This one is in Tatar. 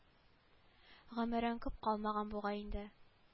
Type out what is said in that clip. Гомерең күп калмаган бугай инде